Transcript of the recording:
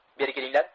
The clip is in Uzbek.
beri kelinglar